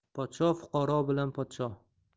podsho fuqaro bilan podsho